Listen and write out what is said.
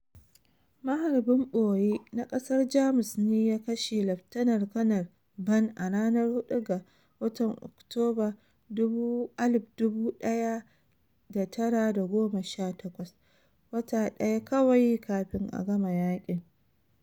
Maharbin ɓoye na ƙasar Jamus ne ya kashe Laftanar Kanar Vann a ranar 4 ga watan Oktobar 1918 - wata daya kawai kafin a gama yaƙin.